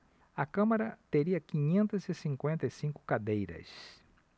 a câmara teria quinhentas e cinquenta e cinco cadeiras